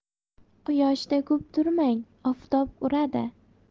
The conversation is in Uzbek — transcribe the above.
quyoshda ko'p turmang oftob uradi